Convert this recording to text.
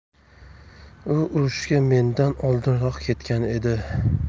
u urushga mendan oldinroq ketgan edi